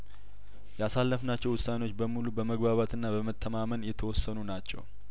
ያሳለፍ ናቸው ውሳኔዎች በሙሉ በመግባባትና በመተማመን የተወሰኑ ናቸው